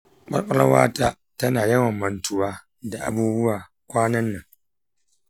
ƙwaƙwalwata tana yawan mantuwa da abubuwa kwanan nan